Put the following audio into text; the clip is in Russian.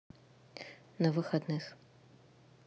на выходных